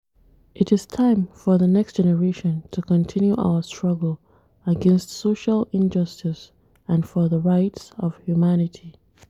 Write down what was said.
It is time for the next generations to continue our struggle against social injustice and for the rights of humanity.